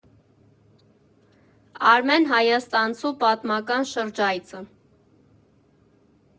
Արմեն Հայաստանցու պատմական շրջայցը։